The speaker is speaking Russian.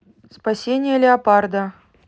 спасение леопарда